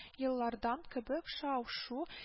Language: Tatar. Еллардан кебек шау-шу